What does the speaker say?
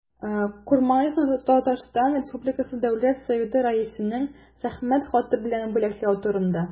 И.Х. Курмаевны Татарстан республикасы дәүләт советы рәисенең рәхмәт хаты белән бүләкләү турында